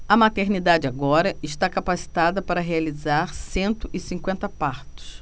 a maternidade agora está capacitada para realizar cento e cinquenta partos